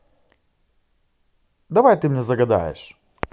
давай ты мне загадаешь